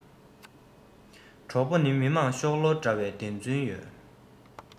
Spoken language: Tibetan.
གྲོགས པོ ནི མི དམངས ཤོག ལོར འདྲ བར བདེན རྫུན ཡོད